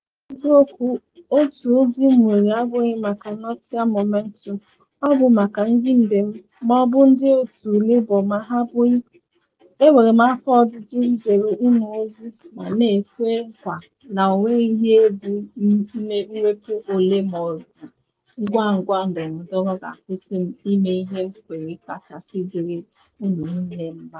Mana n’eziokwu otu ozi m nwere abụghị maka Nottingham Momentum, ọ bụ maka ndị mmebe m, ma ọ bụ ndị otu Labour ma ha abụghị: Enwere m afọ ojuju ijere unu ozi ma na ekwe nkwa na ọnweghị ihe egwu mwepu ole ma ọ bụ ngwangwa ndọrọndọrọ ga-akwụsị m ịme ihe m kwere kachasị dịịrị unu niile mma.